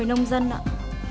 nông dân ạ